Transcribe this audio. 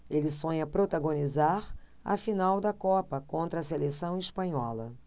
ele sonha protagonizar a final da copa contra a seleção espanhola